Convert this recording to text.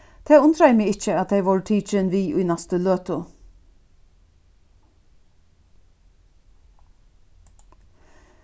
tað undraði meg ikki at tey vórðu tikin við í næstu løtu